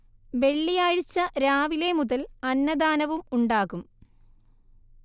വെള്ളിയാഴ്ച രാവിലെ മുതൽ അന്നദാനവും ഉണ്ടാകും